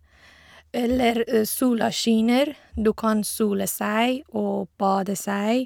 Eller sola skinner, du kan sole seg og bade seg.